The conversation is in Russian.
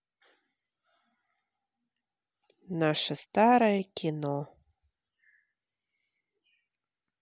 наше старое кино